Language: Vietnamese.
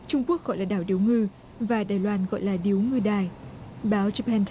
trung quốc gọi là đảo điếu ngư và đài loan gọi là điếu ngư đài báo chụp hình